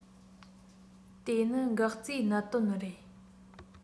དེ ནི འགག རྩའི གནད དོན རེད